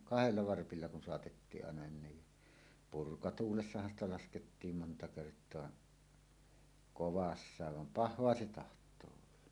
kahdella varpilla kun saatettiin aina niin purkatuulessahan sitä laskettiin monta kertaa kovassa vaan pahaa se tahtoo olla